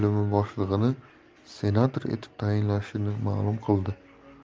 boimi boshlig'ini senator etib tayinlashini ma'lum qildi